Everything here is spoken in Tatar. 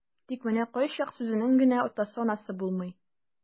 Тик менә кайчак сүзенең генә атасы-анасы булмый.